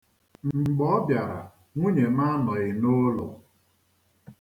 Mgbe ọ bịara, nwunye m anọghị n'ụlọ.